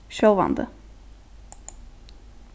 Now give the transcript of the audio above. sjálvandi